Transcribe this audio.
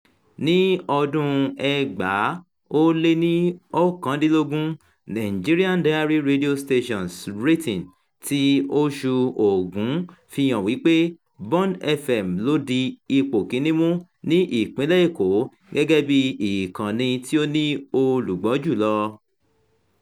Ní ọdún-un 2019, Nigeria Diary Radio Stations Ratings ti oṣù Ògún fi hàn wípé Bond FM ló di ipò kìíní mú ní Ìpínlẹ̀ Èkó gẹ́gẹ́ bí ìkànnì tí ó ní olùgbọ́ jù lọ.